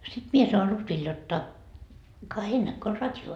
sitten minä sanon Lutville jotta ka heillä näkyy on radio